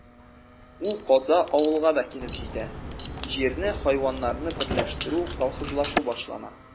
Ул каза авылга да килеп җитә: җирне, хайваннарны берләштерү, колхозлашу башлана.